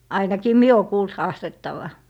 ainakin minä olen kuullut haastettavan